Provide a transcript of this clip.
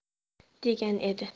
degan edi